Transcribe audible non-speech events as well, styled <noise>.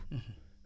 <hesitation> <hesitation>